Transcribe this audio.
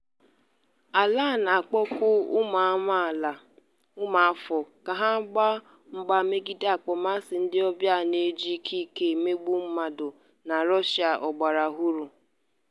Ala a na-akpọku ụmụ amaala (ụmụafọ) ka ha gba mgba megide akpọmasị ndịọbịa na iji ikike emegbu mmadụ na Russia ọgbaraọhụrụ.